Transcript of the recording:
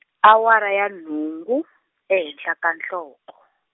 awara ya nhungu, ehenhla ka nhloko.